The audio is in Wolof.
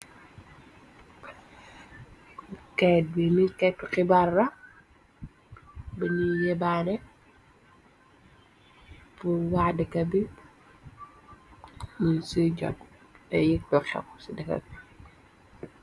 Kayit bi ni kayitu xibaar la, biñu yebaane pur wa dëka bi mun ci jot, te yeg lu xew ci dëka bi.